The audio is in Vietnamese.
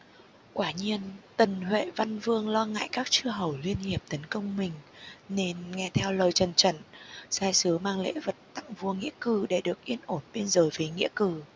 quả nhiên tần huệ văn vương lo ngại các chư hầu liên hợp tấn công mình nên nghe theo lời trần chẩn sai sứ mang lễ vật tặng vua nghĩa cừ để được yên ổn biên giới với nghĩa cừ